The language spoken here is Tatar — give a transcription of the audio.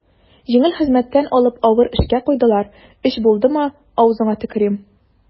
Җиңел хезмәттән алып авыр эшкә куйдылар, өч булдымы, авызыңа төкерим.